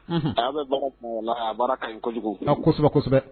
Unhun ɛ a' bɛ , a baara kaɲi kojugu kosɛbɛ kosɛbɛ.